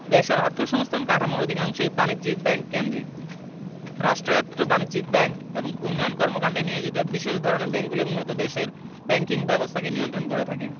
দেশের অর্থসংস্থান কাঠামোর অধিকাংশই বাণিজ্যিক ব্যাংক কেন্দ্রিক রাষ্ট্রায়ত্ত বাণিজ্যিক ব্যাংক এবং উন্নয়ন কর্মকান্ডে নিয়োজিত বিশেষ ধরনের ব্যাংকগুলোই মূলত দেশের ব্যাংকিং ব্যবস্থাকে নিয়ন্ত্রণ করে থাকে